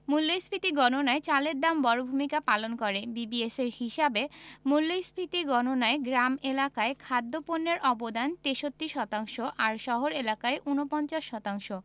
মূল্যস্ফীতি গণনায় চালের দাম বড় ভূমিকা পালন করে বিবিএসের হিসাবে মূল্যস্ফীতি গণনায় গ্রাম এলাকায় খাদ্যপণ্যের অবদান ৬৩ শতাংশ আর শহর এলাকায় ৪৯ শতাংশ